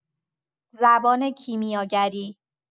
زبان کیمیاگری